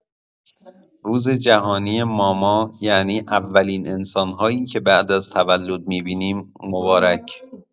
روز جهانی ماما یعنی اولین انسان‌هایی که بعد از تولد می‌بینیم، مبارک!